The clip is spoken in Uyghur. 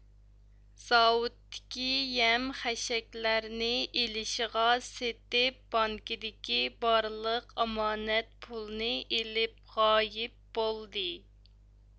زاۋۇتتىكى يەم خەشەكلەرنى ئېلىشىغا سېتىپ بانكىدىكى بارلىق ئامانەت پۇلنى ئېلىپ غايىب بولدى